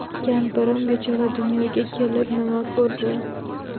kampirim bechora dunyoga kelib nima ko'rdi